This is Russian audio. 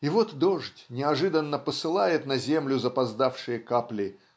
и вот дождь неожиданно посылает на землю запоздавшие капли